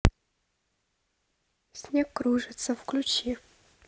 снег кружится включи